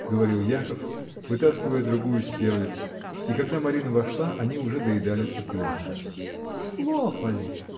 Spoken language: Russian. — говорил Яков, вытаскивая другую стерлядь, — и когда Марина вошла, они уже доедали цыпленка. — Слопали!